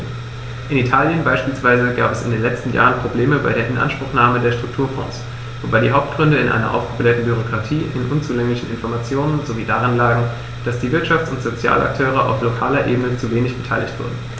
In Italien beispielsweise gab es in den letzten Jahren Probleme bei der Inanspruchnahme der Strukturfonds, wobei die Hauptgründe in einer aufgeblähten Bürokratie, in unzulänglichen Informationen sowie darin lagen, dass die Wirtschafts- und Sozialakteure auf lokaler Ebene zu wenig beteiligt wurden.